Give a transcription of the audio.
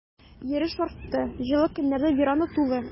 Йөреш артты, җылы көннәрдә веранда тулы.